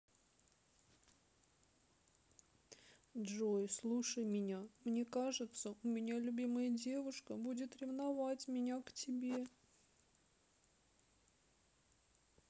джой слушай меня мне кажется у меня любимая девушка будет ревновать меня к тебе